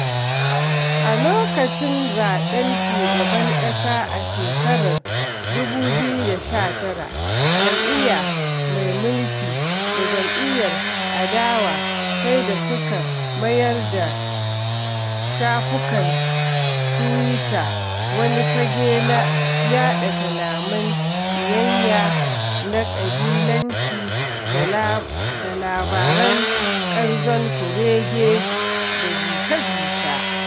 A lokacin zaɓen shugaban ƙasa a shekarar 2019, jam'iyya mai mulki da jam'iyyar adawa sai da suka mayar da shafukan tuwita wani fage na yaɗa kalaman ƙiyayya na ƙabilanci da labaran ƙanzon kurege da jita-jita.